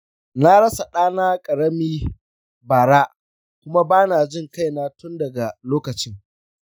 na rasa ɗana ƙarami bara kuma ba na jin kaina tun daga lokacin.